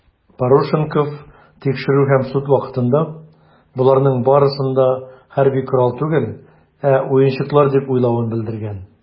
Парушенков тикшерү һәм суд вакытында, боларның барысын да хәрби корал түгел, ә уенчыклар дип уйлавын белдергән.